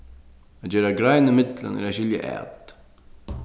at gera grein ímillum er at skilja at